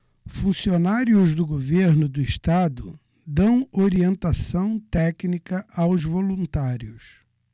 funcionários do governo do estado dão orientação técnica aos voluntários